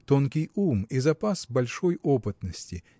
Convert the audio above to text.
тонкий ум и запас большой опытности